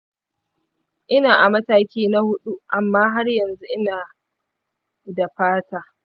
ina a mataki na huɗu amma har yanzu ina da fata.